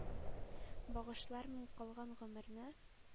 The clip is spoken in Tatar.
Багышлармын калган гомерне